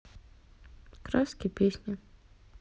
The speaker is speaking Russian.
краски песни